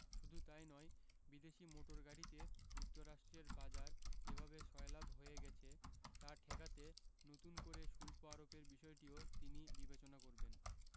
শুধু তা ই নয় বিদেশি মোটর গাড়িতে যুক্তরাষ্ট্রের বাজার যেভাবে সয়লাব হয়ে গেছে তা ঠেকাতে নতুন করে শুল্ক আরোপের বিষয়টিও তিনি বিবেচনা করবেন